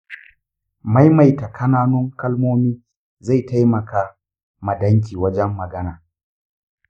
maimaita kananun kalmomi zai taimaka ma danki wajen magana.